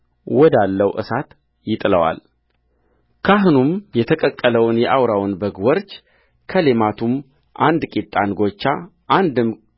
ወዳለው እሳት ይጥለዋልካህኑም የተቀቀለውን የአውራውን በግ ወርች ከሌማቱም አንድ ቂጣ እንጐቻ አንድም